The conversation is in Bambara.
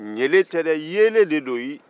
ɲele te de yeelen de don